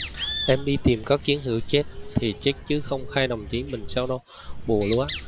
em đi tìm các chiến hữu chết thì chết chứ không khai đồng chí mình sau bồ lúa